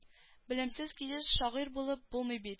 Белемсез килеш шагыйрь булып булмый бит